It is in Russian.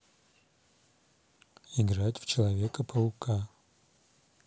играть в человека паука